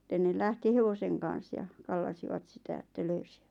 sitten ne lähti hevosen kanssa ja kallasivat sitä että löysivät